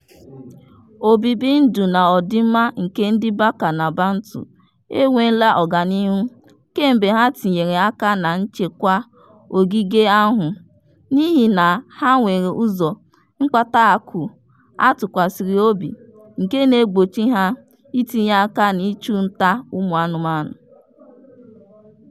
Obibindụ na ọdịmma nke ndị Baka na Bantu enweela ọganihu kemgbe ha tinyere aka na nchekwa ogige ahụ, n'ihi na ha nwere ụzọ mkpataakụ a tụkwasịrị obi nke na-egbochi ha itinye aka n'ịchụ nta ụmụanụmanụ.